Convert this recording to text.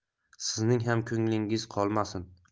sizning ham ko'nglingiz qolmasin